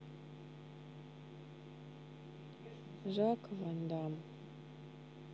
жако ван дам